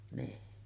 niin